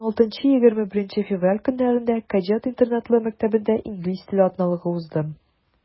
16-21 февраль көннәрендә кадет интернатлы мәктәбендә инглиз теле атналыгы узды.